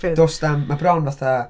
Does na'm. Mae o bron fatha...